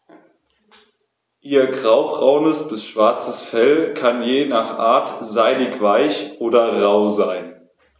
Ihr graubraunes bis schwarzes Fell kann je nach Art seidig-weich oder rau sein.